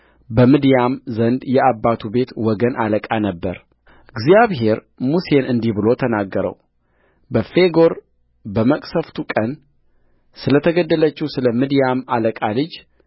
በምድያም ዘንድ የአባቱ ቤት ወገን አለቃ ነበረእግዚአብሔር ሙሴን እንዲህ ብሎ ተናገረውበፌጎር በመቅሠፍቱ ቀን ስለተገደለችው ስለ ምድያም አለቃ ልጅ